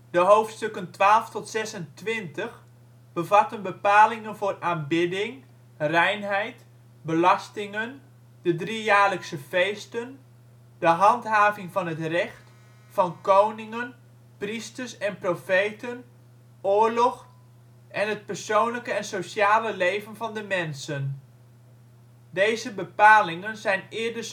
de hoofdstukken 12-26 bevatten bepalingen voor aanbidding, reinheid, belastingen, de drie jaarlijkse feesten, de handhaving van het recht, van koningen, priesters en profeten, oorlog, en het persoonlijke en sociale leven van de mensen. Deze bepalingen zijn eerder